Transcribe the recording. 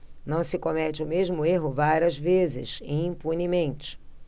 não se comete o mesmo erro várias vezes impunemente